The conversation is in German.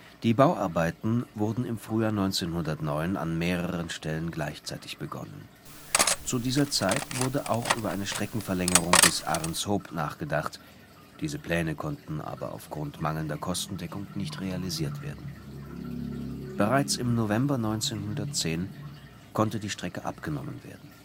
Die Bauarbeiten wurden im Frühjahr 1909 an mehreren Stellen gleichzeitig begonnen. Es wurde auch über eine Streckenverlängerung bis Ahrenshoop nachgedacht, diese Pläne konnten aber aufgrund mangelnder Kostendeckung nicht realisiert werden. Bereits im November 1910 konnte die Strecke abgenommen werden